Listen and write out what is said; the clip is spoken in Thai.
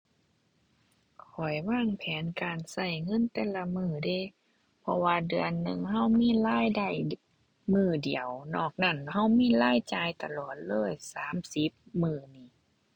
ข้อยวางแผนการใช้เงินแต่ละมื้อเดะ เพราะว่าเดือนหนึ่งใช้มีรายได้ มื้อเดียว นอกนั้นใช้มีรายจ่ายตลอดเลย สามสิบมื้อนี่